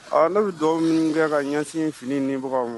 Awɔ . Ne bi dugawu mun kɛ ka ɲɛsin fini in dibaga ma.